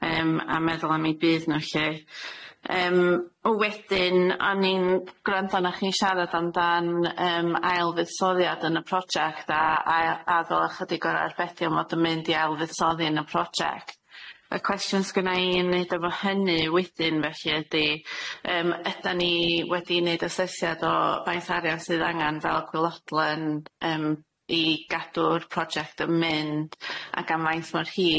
Yym a meddwl am i bydd n'w lly, yym wedyn o'n i'n gwrando na chi'n siarad amdan yym ail fuddsoddiad yn y project a ail, a fel ychydig o'r arbedion fod yn mynd i ail fuddsoddi yn y project, y cwestiwn sgennai i neud efo hynny wedyn felly ydi, yym ydan ni wedi neud asesiad o faint arian sydd angan fel gwelodlen yym i gadw'r project yn mynd ac am faint mor hir?